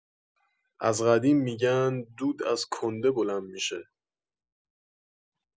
از قدیم می‌گن دود از کنده بلند می‌شه